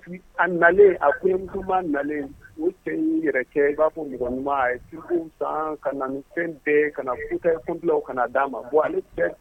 A nalen a ko nalen u tɛ'i yɛrɛ kɛ b'a fɔ m ye san ka na ni fɛn ka nakunlaw ka d'a ma bon